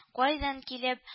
Кайдан килеп